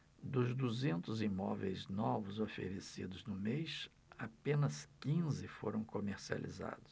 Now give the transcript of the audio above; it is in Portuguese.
dos duzentos imóveis novos oferecidos no mês apenas quinze foram comercializados